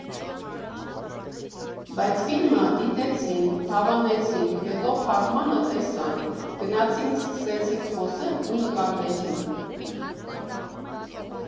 Բայց ֆիլմը դիտեցինք, հավանեցինք, հետո փակմանը տեսանք, գնացինք սկսեցինք խոսել ու նկարվեցինք։